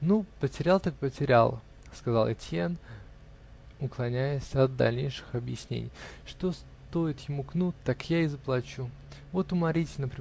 -- Ну, потерял так потерял, -- сказал Этьен, уклоняясь от дальнейших объяснений, -- что стоит ему кнут, так я и заплачу. Вот уморительно!